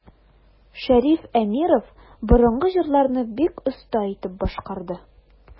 Шәриф Әмиров борынгы җырларны бик оста итеп башкарды.